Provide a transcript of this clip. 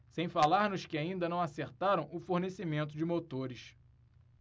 sem falar nos que ainda não acertaram o fornecimento de motores